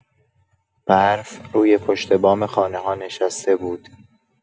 برف روی پشت‌بام خانه‌ها نشسته بود.